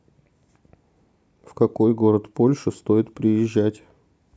в какой город польши стоит приезжать